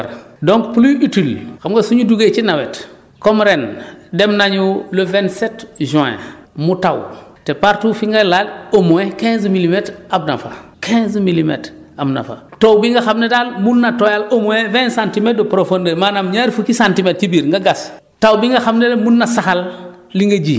parce que lu muy yàq moo bëri moo ëpp lu muy defar donc pluie utile xam nga su ñu duggee ci nawet comme ren dem na ñu le vingt sept juin mu taw te partout fi nga laal au moins quinze milimètres am na fa quinze milimètres am na fa taw bi nga xam ne daal mun na tooyal au mons vingt centimètres de profondeur maanaam ñaar fukki centimètres ci biir nga gas